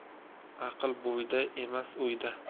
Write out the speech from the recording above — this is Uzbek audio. aql bo'yda emas o'yda